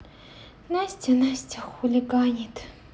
настя настя хулиганит